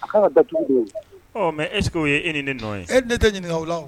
Mɛ eke ye e ni ne nɔ ye e ne tɛ ɲini aw la